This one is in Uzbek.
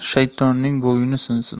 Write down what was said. shaytonning bo'yni sinsin